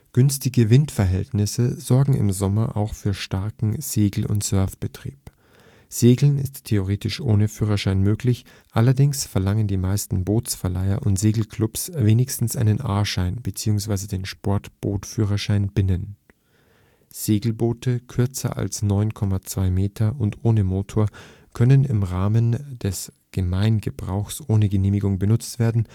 Günstige Windverhältnisse sorgen im Sommer auch für starken Segel - und Surfbetrieb. Segeln ist theoretisch ohne Führerschein möglich, allerdings verlangen die meisten Bootsverleiher und Segelclubs wenigstens einen A-Schein bzw. den Sportbootführerschein Binnen. Segelboote kürzer als 9,20 m und ohne Motor können im Rahmen des Gemeingebrauchs ohne Genehmigung benutzt werden